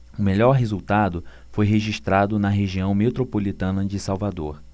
o melhor resultado foi registrado na região metropolitana de salvador